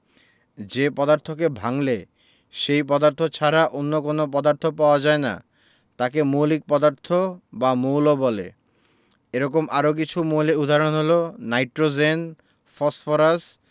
যে পদার্থকে ভাঙলে সেই পদার্থ ছাড়া অন্য কোনো পদার্থ পাওয়া যায় না তাকে মৌলিক পদার্থ বা মৌল বলে এরকম আরও কিছু মৌলের উদাহরণ হলো নাইট্রোজেন ফসফরাস